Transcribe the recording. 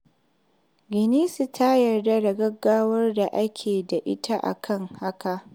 Ganese ta yarda da gaggawar da ake da ita a kan haka.